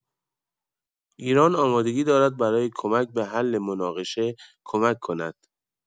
ایران آمادگی دارد برای کمک به حل مناقشه کمک کند.